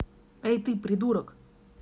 эй ты придурок